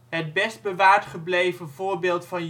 het beste bewaard gebleven voorbeeld van